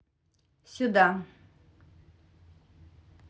сюда